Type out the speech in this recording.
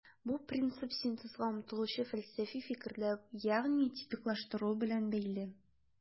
Бу принцип синтезга омтылучы фәлсәфи фикерләү, ягъни типиклаштыру белән бәйле.